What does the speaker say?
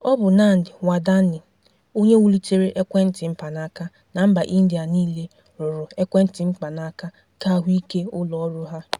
Ọ bụ Nand Wadhwani onye wulitere ekwentị mpanaka na mba Indịa nille rụrụ Ekwentị Mpanaka Keahụike ụlọ ọrụ ha.